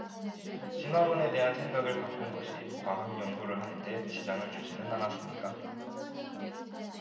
진화론에 대한 생각을 바꾼 것이 과학 연구를 하는 데 지장을 주지는 않았습니까